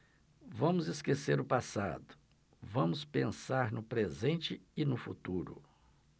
vamos esquecer o passado vamos pensar no presente e no futuro